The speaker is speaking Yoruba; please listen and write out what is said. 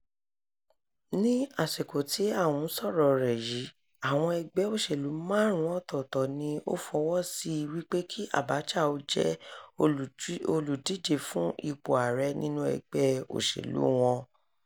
Ní àsìkò tí à ń sọ̀rọ̀ọ rẹ̀ yìí, àwọn ẹgbẹ́ òṣèlú márùn-ún ọ̀tọ̀ọ̀tọ̀ ni ó fọwọ́ síi wípé kí Abacha ó jẹ́ olùdíje fún ipò Ààrẹ nínú ẹgbẹ́ òṣèlúu wọn.